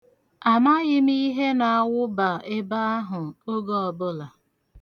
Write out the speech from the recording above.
Amaghị m ihe na-awụba ebe ahu oge ọbụla.